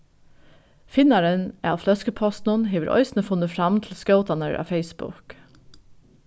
finnarin av fløskupostinum hevur eisini funnið fram til skótarnar á facebook